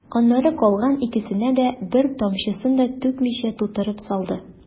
Аннары калган икесенә дә, бер тамчысын да түкмичә, тутырып салды.